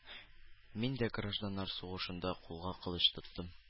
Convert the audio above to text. Мин дә гражданнар сугышында кулга кылыч тоттым